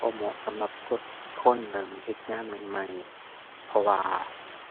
บ่เหมาะสำหรับคน คนเริ่มเฮ็ดงานใหม่ใหม่ เพราะว่า